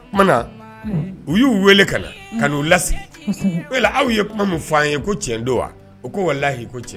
O tumana na u y'u wele ka na ka uu lasi aw ye kuma min fɔ ye ko cɛn don wa u ko wala lahiyi ko cɛ